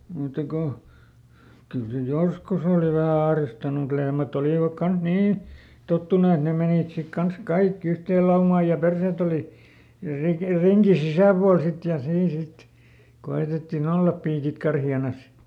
mutta kun kyllä se joskus oli vähän ahdistanut mutta lehmät olivat kanssa niin tottunut että ne menivät sitten kanssa kaikki yhteen laumaan ja perseet oli - ringin sisäpuolella sitten ja siinä sitten koetettiin olla piikit karheana